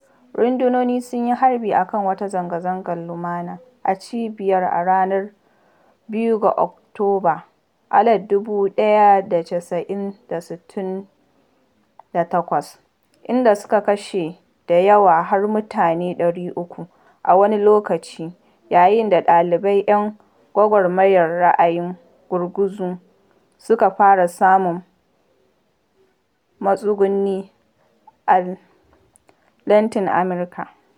Rundunonin sun yi harbi a kan wata zanga-zangar lumana a cibiyar a ranar 2 ga Oktoba, 1968, inda suka kashe da yawa har mutane 300 a wani lokaci yayin da ɗalibai ‘yan gwagwarmayar ra’ayin gurguzu suka fara samun matsuguni a Latin America.